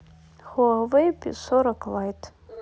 хуавэй пи сорок лайт